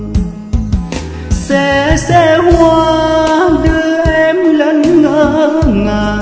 xe xe hoa đưa em lần ngỡ ngàng